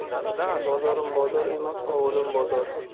bozorim bozor emas ovulim bozor